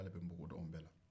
k'ale bɛ npogo don an bɛɛ la